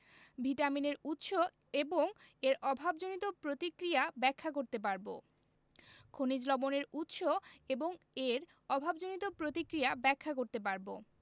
ভিটামিনের উৎস এবং এর অভাবজনিত প্রতিক্রিয়া ব্যাখ্যা করতে পারব খনিজ লবণের উৎস এবং এর অভাবজনিত প্রতিক্রিয়া ব্যাখ্যা করতে পারব